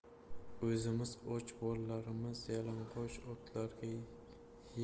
o'zimiz och bolalarimiz yalang'och otlarga